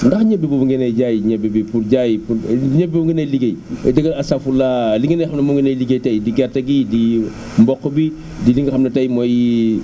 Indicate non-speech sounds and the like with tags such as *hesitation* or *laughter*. ndax ñebe boobu ngeen ay jaay ñebe bi pour jaay pour *hesitation* ñebe bi ngeen ay liggéey di ko astafurlah li ngeen di xam ne moom ngeen di liggéey tey di gerte gi di mboq bi di li nga xam ne tey mooy *hesitation*